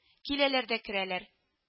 Киләләр дә керәләр